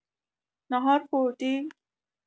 ناهار خوردی؟